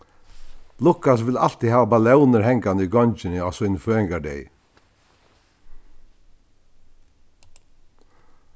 lukas vil altíð hava ballónir hangandi í gongini á sínum føðingardegi